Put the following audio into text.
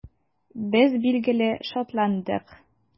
Без, билгеле, шатландык.